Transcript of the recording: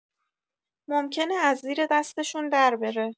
ممکنه از زیر دستشون دربره.